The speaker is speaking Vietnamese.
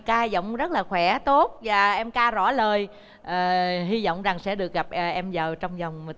ca giọng rất là khỏe tốt và em ca rõ lời ờ hy vọng rằng sẽ được gặp em vào trong vòng